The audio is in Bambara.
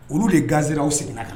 Olu de ganzew seginna kan